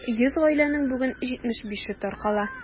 100 гаиләнең бүген 75-е таркала.